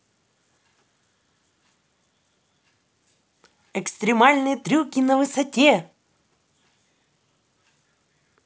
экстремальные трюки на высоте